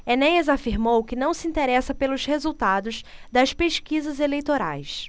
enéas afirmou que não se interessa pelos resultados das pesquisas eleitorais